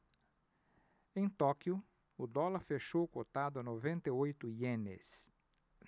em tóquio o dólar fechou cotado a noventa e oito ienes